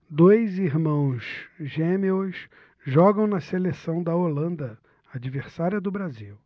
dois irmãos gêmeos jogam na seleção da holanda adversária do brasil